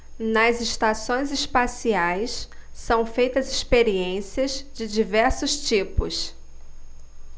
nas estações espaciais são feitas experiências de diversos tipos